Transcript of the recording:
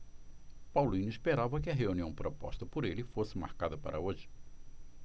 paulino esperava que a reunião proposta por ele fosse marcada para hoje